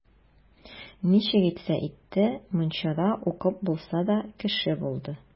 Ничек итсә итте, мунчада укып булса да, кеше булды.